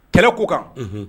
Kɛlɛ ko kan